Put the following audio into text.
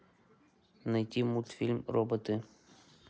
найти мультфильм роботы